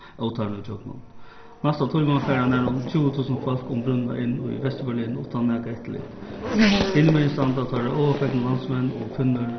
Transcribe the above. ótarnað ígjøgnum næsta tíma fara nærum tjúgu túsund fólk um brúnna inn í vesturberlin uttan nakað eftirlit hinumegin standa teirra ovurfegnu landsmenn og -kvinnur